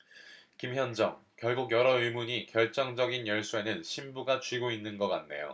김현정 결국 여러 의문의 결정적인 열쇠는 신부가 쥐고 있는 거 같네요